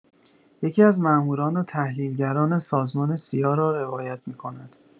یکی‌از ماموران و تحلیلگران سازمان سیا را روایت می‌کند.